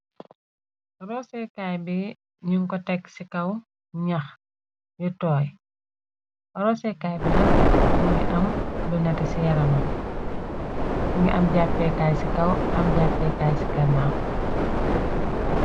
Rosekaay bi ñuñ ko tegg ci kaw ñax yu tooy rosékaay bi nag mngi am lu nett ci yaramamb më ngi am jàppekaay ci kaw am jàppeekaay ci gannaaw.